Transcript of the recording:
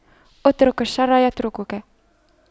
اترك الشر يتركك